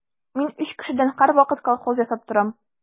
Мин өч кешедән һәрвакыт колхоз ясап торам.